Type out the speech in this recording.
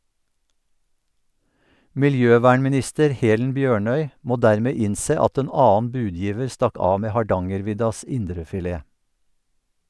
Miljøvernminister Helen Bjørnøy må dermed innse at en annen budgiver stakk av med «Hardangerviddas indrefilet».